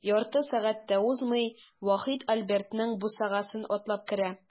Ярты сәгать тә узмый, Вахит Альбертның бусагасын атлап керә.